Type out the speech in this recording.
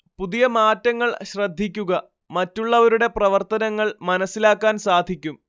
പുതിയ മാറ്റങ്ങൾ ശ്രദ്ധിക്കുക മറ്റുള്ളവരുടെ പ്രവർത്തനങ്ങൾ മനസിലാക്കാൻ സാധിക്കും